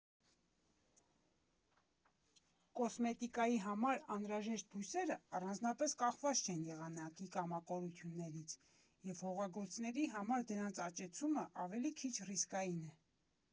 Կոսմետիկայի համար անհրաժեշտ բույսերը առանձնապես կախված չեն եղանակի կամակորություններից, և հողագործների համար դրանց աճեցումը ավելի քիչ ռիսկային է։